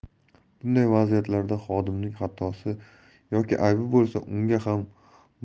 bunday vaziyatlarda xodimning xatosi yoki aybi bo'lsa